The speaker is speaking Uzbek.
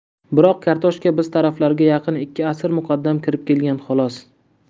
biroq kartoshka biz taraflarga yaqin ikki asr muqaddam kirib kelgan xolos